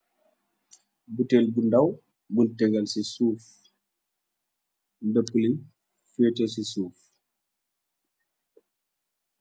Butèèl bu ndaw buñ tegal si suuf, ndapuli feteh si suuf.